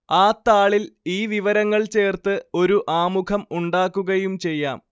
ആ താളിൽ ഈ വിവരങ്ങൾ ചേർത്ത് ഒരു ആമുഖം ഉണ്ടാക്കുകയും ചെയ്യാം